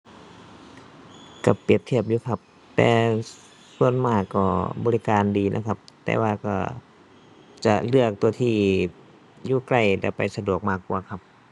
ก็เปรียบเทียบอยู่ครับ แต่ส่วนมากก็บริการดีนะครับ แต่ว่าก็จะเลือกตัวที่อยู่ใกล้แล้วไปสะดวกมากกว่าครับ